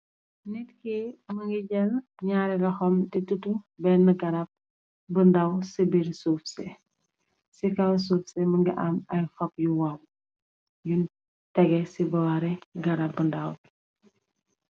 nit ki mëngi jël ñaare lohom te tutu benn garab bu ndàw ci bir suufse, ci kaw suuf sé mënga am ay xob yu woow yu tege ci boare garab bu ndaw bi.